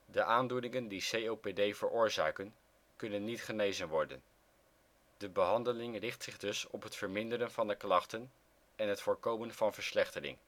De aandoeningen die COPD veroorzaken kunnen niet genezen worden. De behandeling richt zich dus op het verminderen van de klachten en het voorkomen van verslechtering